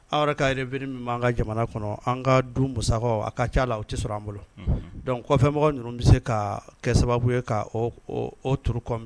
Aw yɛrɛ ka min'an ka jamana kɔnɔ an ka du musa a ka ca la u tɛ sɔrɔ an bolo dɔn kɔ kɔfɛmɔgɔ ninnu bɛ se ka kɛ sababu ye ka tuuru